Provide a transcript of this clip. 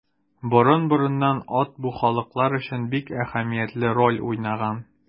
Борын-борыннан ат бу халыклар өчен бик әһәмиятле роль уйнаган.